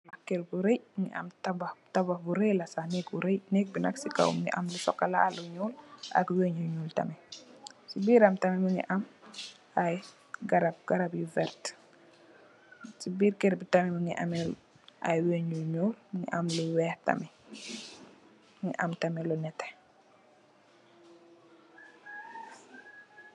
Kër bu rëy, ñu ngi am tabax, tabax bu rëy la sax, neek bi rëy. Neek bi nak, si kow mu ngi am lu sokolaa, lu ñuul ak weñ yu ñuul tamit. Si biiram tamit mu ngi am garab, garab yu werta. Si biir kër bi tamit mu ngi am ay wéñ yu ñuul, am lu weex tamit. Mu ngi am tam lu nétté.